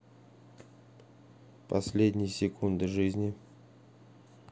последние секунды жизни